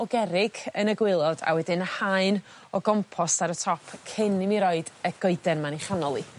o gerrig yn y gwaelod a wedyn haen o gompost ar y top cyn i mi roid y goeden 'ma yn 'i chanol 'i.